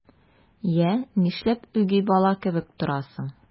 Йә, нишләп үги бала кебек торасың?